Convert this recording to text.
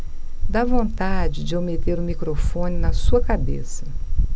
dá vontade de eu meter o microfone na sua cabeça